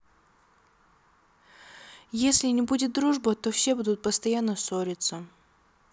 если не будет дружба то все будут постоянно ссориться